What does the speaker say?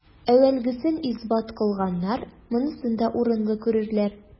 Әүвәлгесен исбат кылганнар монысын да урынлы күрерләр.